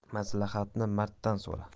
maslahatni marddan so'ra